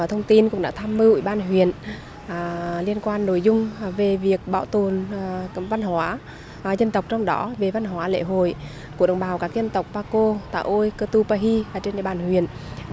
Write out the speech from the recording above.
thông tin cũng đã tham mưu ủy ban huyện à liên quan nội dung về việc bảo tồn văn hóa dân tộc trong đó về văn hóa lễ hội của đồng bào các dân tộc pa cô tà ôi ca tu pa hy trên địa bàn huyện